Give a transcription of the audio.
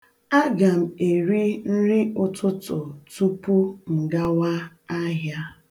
Aga m eri nriụtụtụ tupu m gawa ahịa.